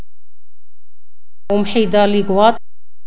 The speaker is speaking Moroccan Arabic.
ام حيدر